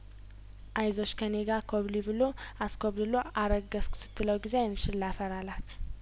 አይዞሽ ከኔጋር ኮብልዪ ብሎ አስኮብልሎ አረገዝኩ ስትለው ጊዜ አይንሽን ላፈር አላት